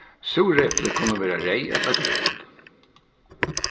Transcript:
súrepli kunnu vera reyð ella grøn